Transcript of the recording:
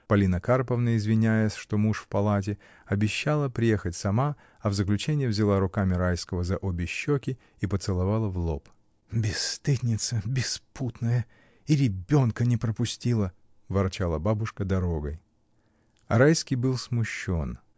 Полина Карповна извинялась, что муж в палате, обещала приехать сама и в заключение взяла руками Райского за обе щеки и поцеловала в лоб. — Бесстыдница, беспутная! и ребенка не пропустила! — ворчала бабушка дорогой. А Райский был смущен.